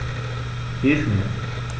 Hilf mir!